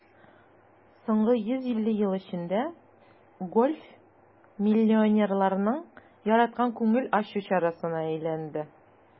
Соңгы 150 ел эчендә гольф миллионерларның яраткан күңел ачу чарасына әйләнде.